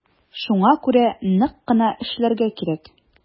Шуңа күрә нык кына эшләргә кирәк.